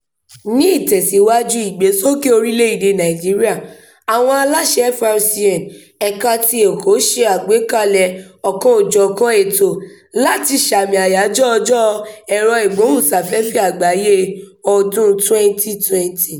Ní ìtẹ̀síwájú ìgbésókè orílẹ̀-èdèe Nàìjíríà, àwọn aláṣẹ FRCN Ẹ̀ka ti Èkó ṣe àgbékalẹ̀ ọkànòjọ̀kan ètò láti sààmì Àyájọ́ Ọjọ́ Ẹ̀rọ-ìgbóhùnsáfẹ́fẹ́ Àgbáyé ọdún-un 2020.